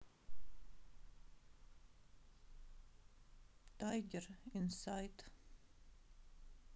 тайгер инсайд